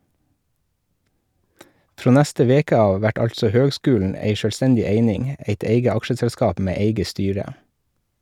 Frå neste veke av vert altså høgskulen ei sjølvstendig eining, eit eige aksjeselskap med eige styre.